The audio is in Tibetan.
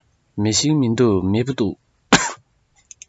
མེ ཤིང མི འདུག མེ ཕུ འདུག